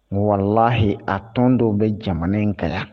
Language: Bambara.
Walahi a tɔn dɔw bɛ jamana in ka